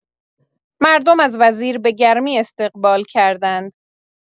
مردم از وزیر به گرمی استقبال کردند